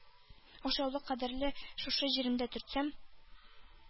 Ашъяулык кадәрле шушы җиремдә төртсәм